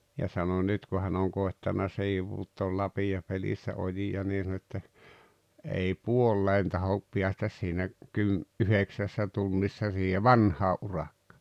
ja sanoi nyt kun hän on koettanut sivuuttaa lapiopelissä ojia niin sanoi että ei puoleen tahdo päästä siinä - yhdeksässä tunnissa siihen vanhaan urakka